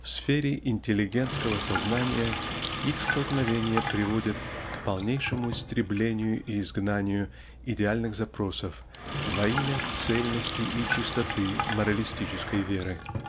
в сфере интеллигентского сознания их столкновение приводит к полнейшему истреблению и изгнанию идеальных запросов во имя цельности и чистоты моралистической веры.